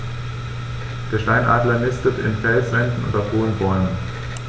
Der Steinadler nistet in Felswänden und auf hohen Bäumen.